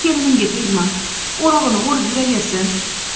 kelinimga tegma o'rog'ini o'rib yuraversin